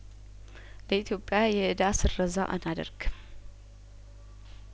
ለኢትዮጵያየእዳ ስረዛ አና ደርግም